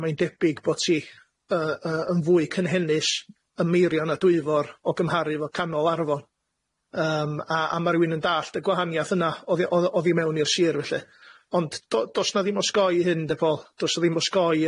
mae'n debyg bo' ti yy yy yn fwy cynhennus ym Meirion a Dwyfor o gymharu efo canol Arfon yym a a ma' rywun yn dallt y gwahaniath yna oddi o'dd o oddi mewn i'r sir felly ond do- do's na ddim o sgoi hyn de Paul do's na ddim o sgoi